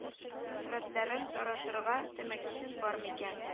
Хәсрәтләрен таратырга тәмәкесе бар микән